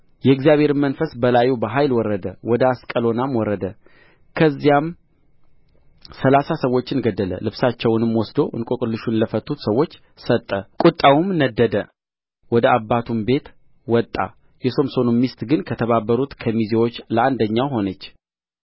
የእግዚአብሔርም መንፈስ በላዩ በኃይል ወረደ ወደ አስቀሎናም ወረደ ከዚያም ሠላሳ ሰዎችን ገደለ ልብሳቸውንም ወስዶ እንቈቅልሹን ለፈቱት ሰዎች ሰጠ ቍጣውም ነደደ ወደ አባቱም ቤት ወጣ የሶምሶን ሚስት ግን ከተባበሩት ከሚዜዎቹ ለአንደኛው ሆነች